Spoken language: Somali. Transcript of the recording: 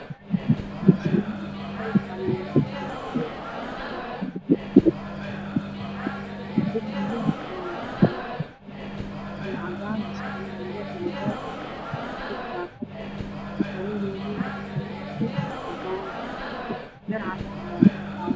Meeshaani waa meel banaan darbiga waa cagaar cadaan albaabka waa qaxwi dhaladeedu waa leer cadaan Aya ka ifaayo